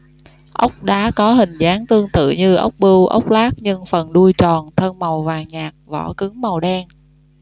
ốc đá có hình dáng tương tự như ốc bươu ốc lác nhưng phần đuôi tròn thân màu vàng nhạt vỏ cứng màu đen